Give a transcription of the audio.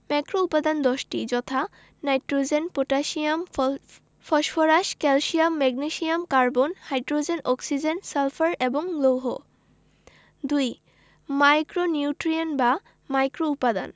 ম্যাক্রোউপাদান ১০ টি যথা nitrogen potassium phosphorus calcium magnesium carbon hydrogen oxygen sulphur এবং লৌহ ২ মাইক্রোনিউট্রিয়েন্ট বা মাইক্রোউপাদান